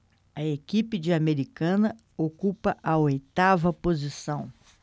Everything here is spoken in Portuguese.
a equipe de americana ocupa a oitava posição